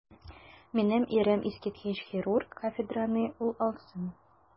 Минем ирем - искиткеч хирург, кафедраны ул алсын.